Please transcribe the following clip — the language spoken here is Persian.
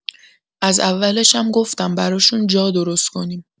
از اولشم گفتم براشون جا درست کنیم.